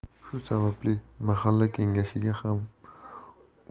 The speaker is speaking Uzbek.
shu sababli mahalla kengashiga ham